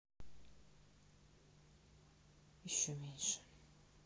еще меньше